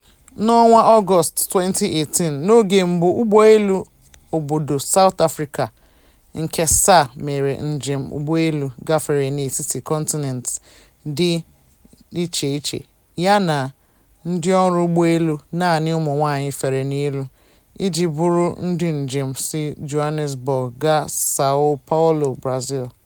N'ọnwa Ọgọst 2018, n'oge mbụ ụgbọelu obodo South Africa nke SAA mere njem, ụgbọelu gafere n'etiti kọntinent dị icheiche ya na ndịọrụ ụgbọelu naanị ụmụnwaanyị fere n'elu iji buru ndị njem si Johannesburg gaa Sao Paulo, Brazil.